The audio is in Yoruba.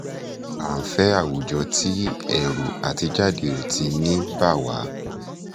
A fẹ́ àwùjọ tí ẹ̀rù àtijáde ò ti ní bà wá!